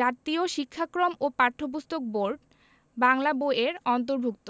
জাতীয় শিক্ষাক্রম ও পাঠ্যপুস্তক বোর্ড বাংলা বই এর অন্তর্ভুক্ত